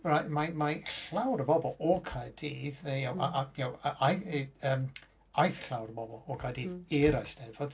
Mae mae llawer o bobl o Caerdydd ... aeth llawer o bobl o Gaerdydd i'r Eisteddfod.